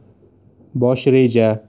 bosh reja